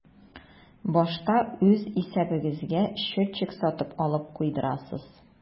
Башта үз исәбегезгә счетчик сатып алып куйдырасыз.